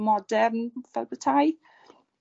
modern fel petai.